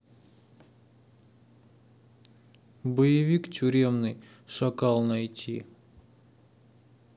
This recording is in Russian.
боевик тюремный шакал найти